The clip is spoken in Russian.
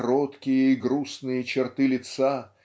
кроткие и грустные черты лица